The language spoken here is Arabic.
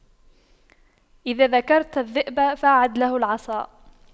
إذا ذكرت الذئب فأعد له العصا